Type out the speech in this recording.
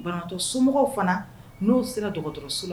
Banabagatɔ somɔgɔw fana, n'u sera dɔgɔtɔrɔso la